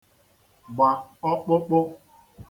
gbà ọkpụkpu